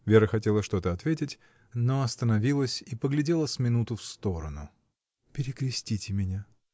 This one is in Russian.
Вера хотела что-то ответить, но остановилась и поглядела с минуту в сторону. — Перекрестите меня!